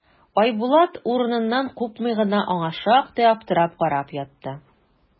Айбулат, урыныннан купмый гына, аңа шактый аптырап карап ятты.